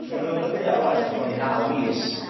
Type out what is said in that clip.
so ma' n'w yn y ddaear rŵan ers bron i naw mis